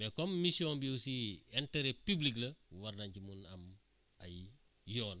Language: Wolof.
mais comme mission bi aussi interêt public :fa la war nañ ci mun a am ay yoon